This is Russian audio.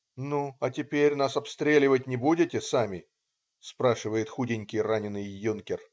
-"Ну, а теперь нас обстреливать не будете сами?" - спрашивает худенький раненый юнкер.